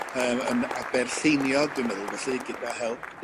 Yym yn Aberlleiniog dwi'n meddwl felly gyda help...